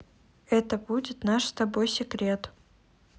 это будет наш с тобой секрет